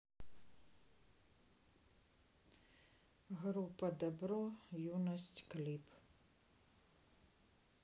группа добро юность клип